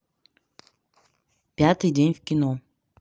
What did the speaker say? пятый день в кино